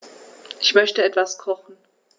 Ich möchte etwas kochen.